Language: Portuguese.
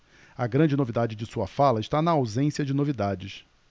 a grande novidade de sua fala está na ausência de novidades